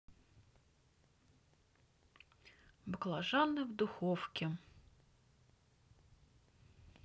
баклажаны в духовке